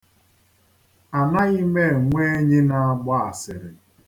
Anaghị m enwe enyi na-agba asịrị.